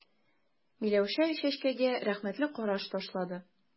Миләүшә Чәчкәгә рәхмәтле караш ташлады.